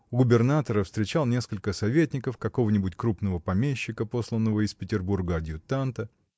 У губернатора встречал несколько советников, какого-нибудь крупного помещика, посланного из Петербурга адъютанта